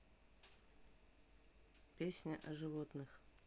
песня о животных